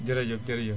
jërëjëf jërëjëf